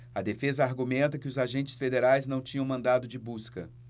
a defesa argumenta que os agentes federais não tinham mandado de busca